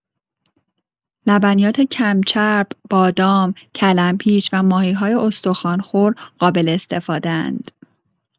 لبنیات کم‌چرب، بادام، کلم‌پیچ و ماهی‌های استخوان‌خور قابل استفاده‌اند.